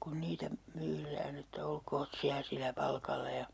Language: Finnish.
kun niitä myydään että olkoot siellä sillä palkalla ja